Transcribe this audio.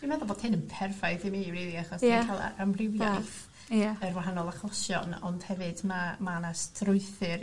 dwi'n meddwl bod hyn yn perffaith i mi rili achos... Ia. ...achos dwi'n ca'l amrywiath... Ffab ie. ...yr wahanol achosion ond hefyd ma' ma' 'na strwythur...